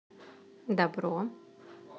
добро